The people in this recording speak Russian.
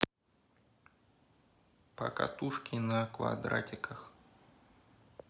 покатушки на квадриках